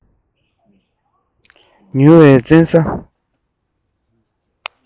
ཉུལ བའི བཙན ས